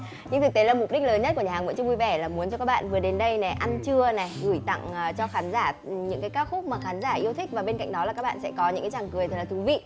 nhưng thực tế là mục đích lớn nhất của nhà hàng bữa trưa vui vẻ là muốn cho các bạn vừa đến đây để ăn trưa này gửi tặng cho khán giả những ca khúc mà khán giả yêu thích và bên cạnh đó là các bạn sẽ có những tràng cười thú vị